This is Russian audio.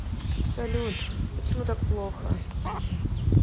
салют почему так плохо